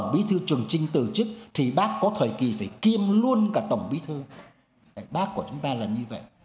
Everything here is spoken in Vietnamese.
bí thư trường chinh từ chức thì bác có thời kỳ phải kiêm luôn cả tổng bí thư đấy bác của chúng ta là như vậy